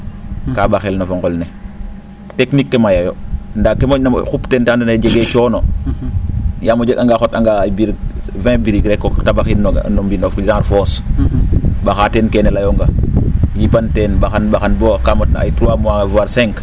kaa ?axel no fo ngol ne technique ke mayaayo ndaa ke mo?ona o xup teen andoona yee jegee coono yaam o xotanga ay birik 20 birig rek o tabaxin no mbindof genre fosse ?axaa teen keene layoonga yipan teen ?axa ?axan boo kaa motna ay 3 mois voir 5